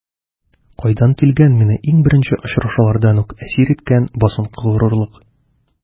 Кайдан килгән мине иң беренче очрашулардан үк әсир иткән басынкы горурлык?